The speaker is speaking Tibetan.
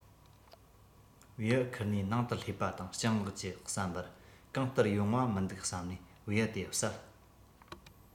བེའུ འཁུར ནས ནང དུ སླེབས པ དང སྤྱང ལགས ཀྱི བསམ པར གང ལྟར ཡོང བ མི འདུག བསམས ནས བེའུ དེ བསད